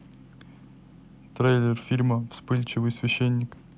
трейлер фильма вспыльчивый священник